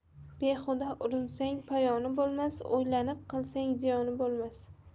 behuda urinsang poyoni bo'lmas o'ylanib qilsang ziyoni bo'lmas